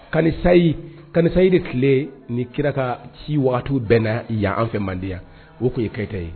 Kansayi kansayi de tile ni kira ka si bɛɛna yan an fɛ mande o ko ye ke ye